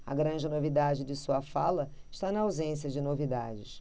a grande novidade de sua fala está na ausência de novidades